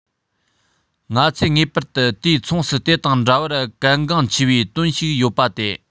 ང ཚོས ངེས པར དུ དུས མཚུངས སུ དེ དང འདྲ བར གལ འགངས ཆེ བའི དོན ཞིག ཡོད པ སྟེ